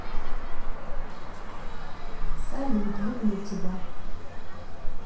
салют люблю тебя